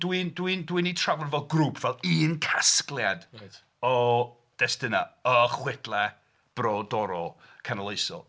Dwi'n... dwi'n... dwi'n eu trafod fel grŵp fel un casgliad destunau, Y Chwedlau Brodorol canoloesol.